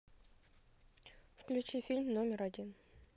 включи фильм номер один